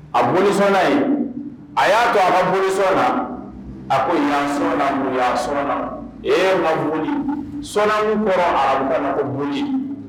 A boli sɔnna in a y'a to a ka boli sɔnna a ko y sɔnnaa sɔnna e mabon sɔnna bɔra a ko boli